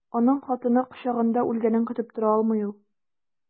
Аның хатыны кочагында үлгәнен көтеп тора алмый ул.